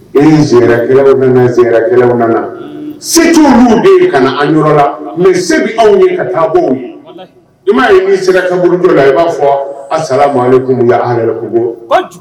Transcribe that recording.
E neɛrɛ mɛneɛrɛkɛlaw nana setu de ka na an yɔrɔ la mɛ se bɛ aw ye ka taa bɔ i m' ye ni se ka kan don la i b'a fɔ a sara maa kun yɛrɛku bɔ